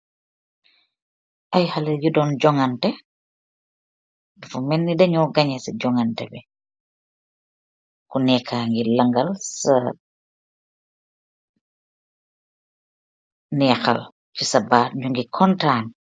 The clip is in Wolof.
Ayyi halleh yuu don joganteh, ganyeh mehdaal.